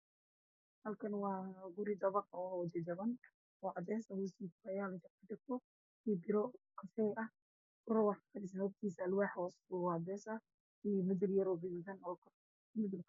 Halkaan waa guri dabaq ah oo jajaban oo cadeys ah hoostiisa waxaa yaalo biro kafay ah iyo alwaax cadeys ah.